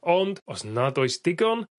ond os nad oes digon